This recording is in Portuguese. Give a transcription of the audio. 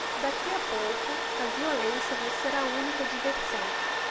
daqui a pouco a violência vai ser a única diversão